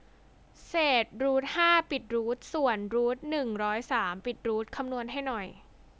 เศษรูทห้าปิดรูทส่วนรูทหนึ่งร้อยสามปิดรูทคำนวณให้หน่อย